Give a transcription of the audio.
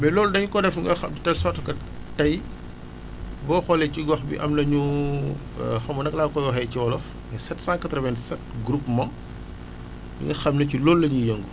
mais loolu dañu ko def nga xam tel sorte que ay boo xoolee ci gox bi am nañu xaw ma naka laa koy waxee ci wolof ay 787 groupements yi nga xam ne ci loolu la ñuy yëngu